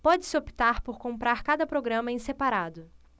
pode-se optar por comprar cada programa em separado